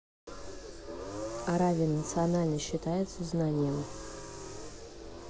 аравия национально считается знанием